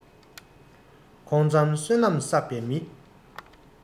ཁོང མཛངས བསོད ནམས བསགས པའི མི